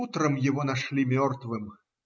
Утром его нашли мертвым.